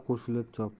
ikki bo'lsa yana yaxshi